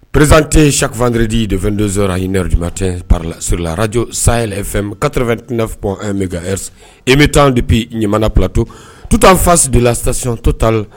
Pereztee saku2gedi defɛn donso ɲin yɛrɛretibatipsurllaraj sayay kate2p e bɛ taa de bi ɲamana pto tutanfasi de la sasiontɔ ta la